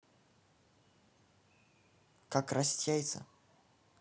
как красить яйца